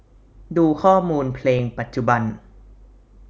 ดูข้อมูลเพลงปัจจุบัน